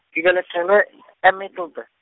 ngibelethelwe , e- Middelbu-.